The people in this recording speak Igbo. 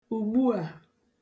ùgbuà